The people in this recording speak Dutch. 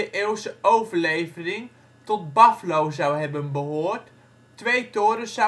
eeuwse overlevering tot Baflo zou hebben behoord, twee torens